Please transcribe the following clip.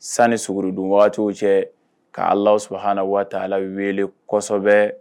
Sanni suguridun wagatiw cɛ ka Alahu subahanahu wataala wele kɔsɛbɛ